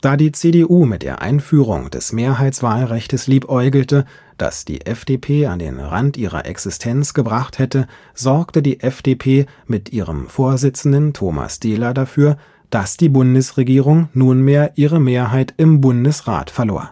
Da die CDU mit der Einführung des Mehrheitswahlrechtes liebäugelte, das die FDP an den Rand ihrer Existenz gebracht hätte, sorgte die FDP mit ihrem Vorsitzenden Thomas Dehler dafür, dass die Bundesregierung nunmehr ihre Mehrheit im Bundesrat verlor